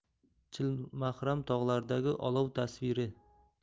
chilmahram tog'laridagi ov tasviri